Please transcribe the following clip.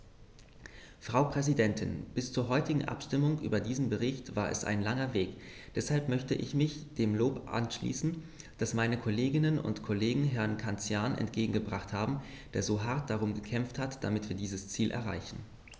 Frau Präsidentin, bis zur heutigen Abstimmung über diesen Bericht war es ein langer Weg, deshalb möchte ich mich dem Lob anschließen, das meine Kolleginnen und Kollegen Herrn Cancian entgegengebracht haben, der so hart darum gekämpft hat, damit wir dieses Ziel erreichen.